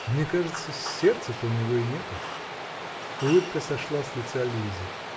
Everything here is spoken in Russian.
-- Мне кажется, сердца-то у него и нету. Улыбка сошла с лица Лизы.